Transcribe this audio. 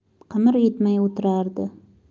qimir etmay o'tirardi